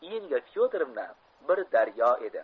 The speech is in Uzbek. inga fyodorovna bir daryo edi